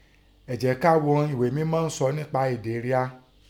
Ẹ jẹ́ ká ghohun Ẹ̀ghé Mẹ́mọ́ sọ ńpa èdè ria